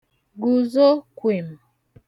gùzo kwìm